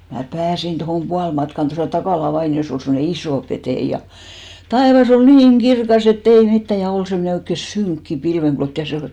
minä pääsin tuohon puolimatkaan tuossa Takalan vainiossa oli semmoinen iso petäjä ja taivas oli niin että ei mitään ja oli semmoinen oikein synkkä pilvenklotti ja se oli